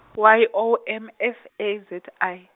Y O M F A Z I.